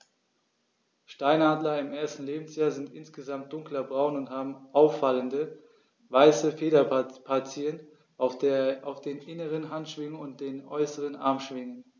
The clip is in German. Steinadler im ersten Lebensjahr sind insgesamt dunkler braun und haben auffallende, weiße Federpartien auf den inneren Handschwingen und den äußeren Armschwingen.